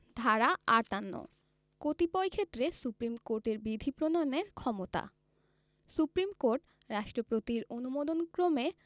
ধারা ৫৮ কতিপয় ক্ষেত্রে সুপ্রীম কোর্টের বিধি প্রণয়নের ক্ষমতা সুপ্রীম কোর্ট রাষ্ট্রপতির অনুমোদনক্রমে